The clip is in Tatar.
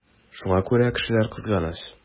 Шуңа күрә кешеләр кызганыч.